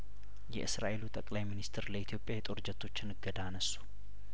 የእስራኤሉ ጠክለይሚንስትር ለኢትዮጵያ የጦር ጀቶችን እገዳ አነሱ